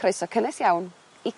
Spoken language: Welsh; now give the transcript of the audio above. Croeso cynnes iawn i...